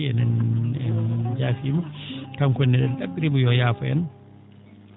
enen en jaafiima kanko ne e?en ?a??irimo yo o yaafo en